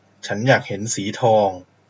ฉันอยากเห็นสีทอง